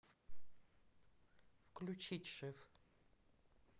включить шеф